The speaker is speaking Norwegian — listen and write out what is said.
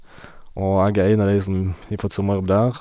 Og jeg er en av de som har fått sommerjobb der.